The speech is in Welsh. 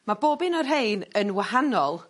Ma' bob un o rhein yn wahanol